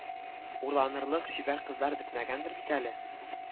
Урланырлык чибәр кызлар бетмәгәндер бит әле